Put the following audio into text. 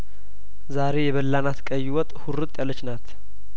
ዛሬ የበላናት ቀይወጥ ሁርጥ ያለችናት